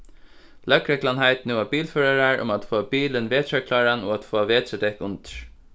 løgreglan heitir nú á bilførarar um at fáa bilin vetrarkláran og at fáa vetrardekk undir